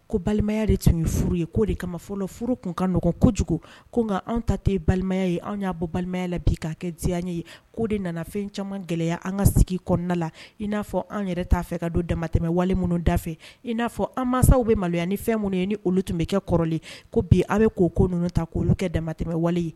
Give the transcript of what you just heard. Ko balimaya de tun ye furu ye koo de kama fɔlɔ furu tun kaɔgɔn kojugu ko nka an ta tɛ balimaya ye an y'a bɔ balimaya bi k kaa kɛ zya ye ye koo de nana fɛn caman gɛlɛyaya an ka sigi kɔnɔna la in n'a fɔ an yɛrɛ'a fɛ ka don damatɛmɛwale minnudafɛ in n'a fɔ an mansasaw bɛ maloya ni fɛn minnu ye ni olu tun bɛ kɛ kɔrɔlen ko bi aw bɛ k' ko ninnu ta k' olu kɛ damatɛmɛ wale ye